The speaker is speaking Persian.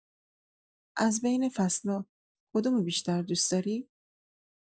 از بین فصلا، کدومو بیشتر دوست‌داری؟